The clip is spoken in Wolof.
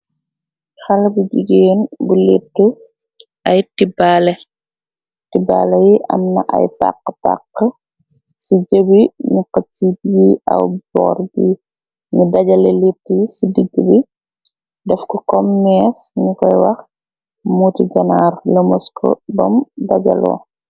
Xale bi jigeen bu lettu ay tibbale, tibbale yi am na ay pakka pakka ci jebi nu ko cib yi aw bor bi, ni dajale litti ci digg bi def ko kom mees nu koy wax muuti ganaar, lëmës ko bom dajaloo.